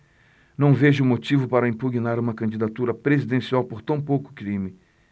não vejo motivo para impugnar uma candidatura presidencial por tão pouco crime